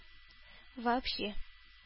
Вообще